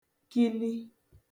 kili